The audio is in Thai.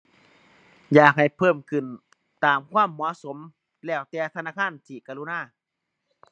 อยากให้เพิ่มขึ้นตามความเหมาะสม แล้วแต่ธนาคารสิกรุณา